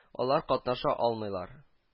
Алар катнаша алмыйлар